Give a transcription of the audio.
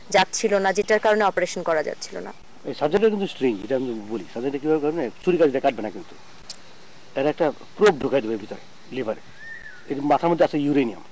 যাচ্ছিল না যেটার কারনে অপারেশন করা যাচ্ছিল না এ সার্জারি টা কিন্তু স্ট্রেঞ্জ আমি বলি সার্জারি কিভাবে করা না ছুরি কাঁচি দিয়ে কাটবে না কিন্তু একটা প্রব ঢুকায় দেবে ভিতরে লিভারে এটার মাথার মধ্যে আছে ইউরেনিয়াম